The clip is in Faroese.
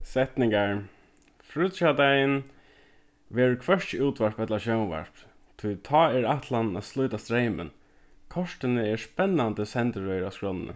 setningar fríggjadagin verður hvørki útvarp ella sjónvarp tí tá er ætlanin at slíta streymin kortini er spennandi sendirøðir á skránni